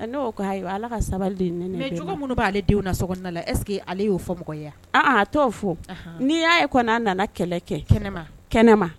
N ko ala ka sabali mɛ j minnu b'aale denw na so la ɛseke que ale y'o fɔya a t' fɔ n'i y'a ye kɔni a nana kɛlɛ kɛ kɛnɛma kɛnɛma